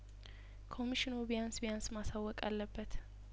ኮሚሽኑ ቢያንስ ቢያንስ ማሳወቅ አለበት